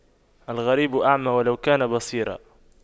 الغريب أعمى ولو كان بصيراً